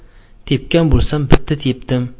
tepgan bo'lsam bitta tepdim